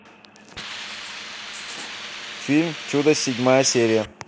фильм чудо седьмая серия